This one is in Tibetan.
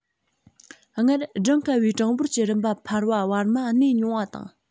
སྔར བགྲངས དཀའ བའི གྲངས འབོར གྱི རིམ པ འཕར པ བར མ གནས མྱོང བ དང